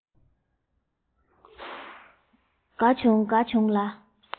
དགའ བྱུང དགའ བྱུང ལ